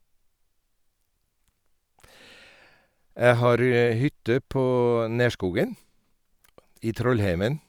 Jeg har hytte på Nerskogen i Trollheimen.